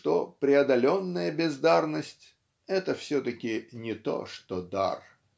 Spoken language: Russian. что преодоленная бездарность -- это все таки не то что дар.